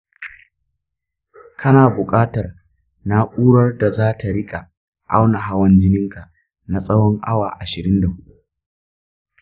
kana buƙatar na’urar da za ta riƙa auna hawan jininka na tsawon awa ashirin da huɗu.